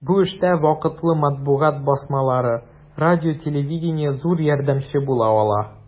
Бу эштә вакытлы матбугат басмалары, радио-телевидение зур ярдәмче була ала.